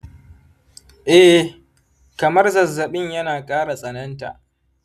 eh, kamar zazzaɓin yana ƙara tsananta